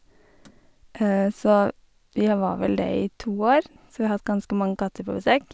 Så v vi var vel det i to år, så vi har hatt ganske mange katter på besøk.